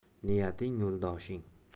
niyating yo'ldoshing